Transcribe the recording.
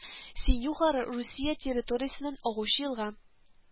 Синюха Русия территориясеннән агучы елга